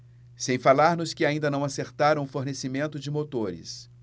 sem falar nos que ainda não acertaram o fornecimento de motores